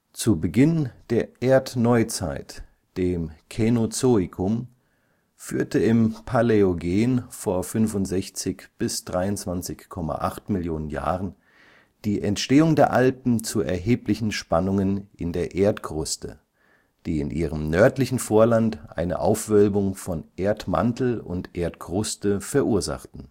Zu Beginn der Erdneuzeit (Känozoikum) führte im Paläogen (vor 65-23,8 Millionen Jahren) die Entstehung der Alpen zu erheblichen Spannungen in der Erdkruste, die in ihrem nördlichen Vorland eine Aufwölbung von Erdmantel und Erdkruste verursachten